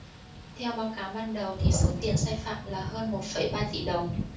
theo báo cáo ban đầu thì số tiền sai phạm là hơn một phẩy ba tỉ đồng